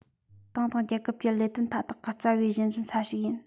ཏང དང རྒྱལ ཁབ ཀྱི ལས དོན མཐའ དག གི རྩ བའི གཞི འཛིན ས ཞིག ཡིན